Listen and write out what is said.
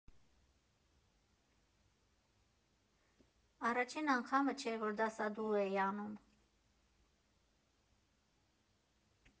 Առաջին անգամը չէր, որ դասադուլ էի անում.